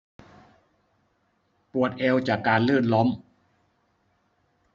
ปวดเอวจากการลื่นล้ม